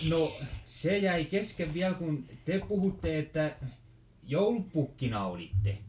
no se jäi kesken vielä kun te puhuitte että joulupukkina olitte